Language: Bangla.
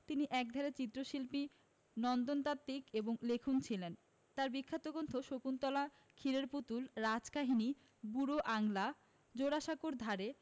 তিনি একাধারে চিত্রশিল্পী নন্দনতাত্ত্বিক এবং লেখক ছিলেন তার বিখ্যাত গ্রন্থ শকুন্তলা ক্ষীরের পুতুল রাজকাহিনী বুড়ো আংলা জোড়াসাঁকোর ধারে